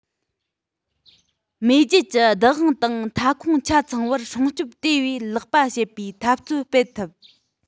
མེས རྒྱལ གྱི བདག དབང དང མངའ ཁོངས ཆ ཚང བར སྲུང སྐྱོང དེ བས ལེགས པ བྱེད པའི འཐབ རྩོད སྤེལ ཐུབ